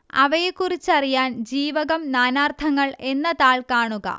അവയെക്കുറിച്ചറിയാൻ ജീവകം നാനാർത്ഥങ്ങൾ എന്ന താൾ കാണുക